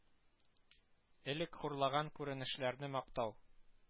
Элек хурлаган күренешләрне мактау